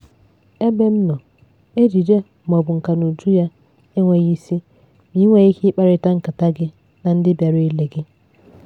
Ebe m nọ, ejije, maọbụ nkà n'uju ya, enweghị isi ma i nweghị ike ikparita nkata gị na ndị bịara ile ya.